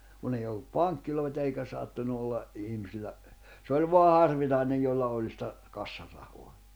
kun ei ollut pankkeja eikä sattunut olla ihmisillä se oli vain harvinainen jolla oli sitä kassarahaa